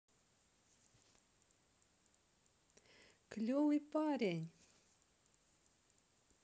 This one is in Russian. клевый парень